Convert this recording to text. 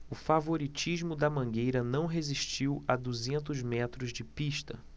o favoritismo da mangueira não resistiu a duzentos metros de pista